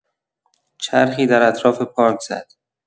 چرخی در اطراف پارک زد.